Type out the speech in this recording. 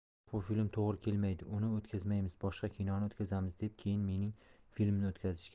yo'q bu film to'g'ri kelmaydi uni o'tkazmaymiz boshqa kinoni o'tkazamiz deb keyin mening filmimni o'tkazishgan